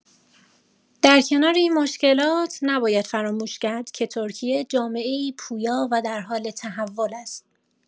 در کنار این مشکلات، نباید فراموش کرد که ترکیه جامعه‌ای پویا و در حال تحول است.